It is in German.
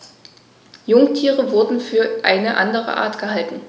Jungtiere wurden für eine andere Art gehalten.